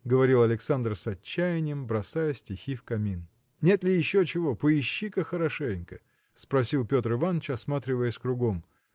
– говорил Александр с отчаянием, бросая стихи в камин. – Нет ли еще чего? Поищи-ка хорошенько – спросил Петр Иваныч осматриваясь кругом